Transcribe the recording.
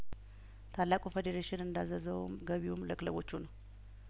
ታላቁ ፌዴሬሽን እንዳዘዘውም ገቢውም ለክለቦቹ ነው